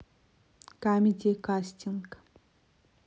камеди кастинг